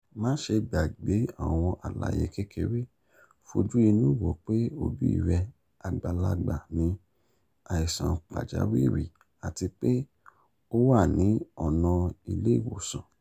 Máṣe gbàgbé àwọn àlàyé kékeré: Fojú inú wò pé òbí rẹ àgbàlagbà ni àìsàn pàjáwìrì àti pé ó wà ní ọ̀nà ilé-ìwòsan.